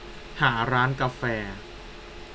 หาร้านกาแฟ